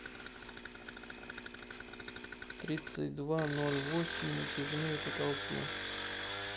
тридцать два ноль восемь натяжные потолки